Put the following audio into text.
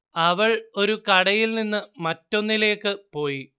അവൾ ഒരു കടയിൽ നിന്ന് മറ്റൊന്നിലേക്ക് പോയി